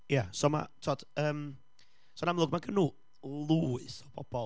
Ia, so ma' tibod, yym... so yn amlwg, mae ganddyn nhw lwyth o bobl,